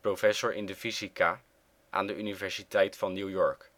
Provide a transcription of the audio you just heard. professor in de fysica aan de universiteit van New York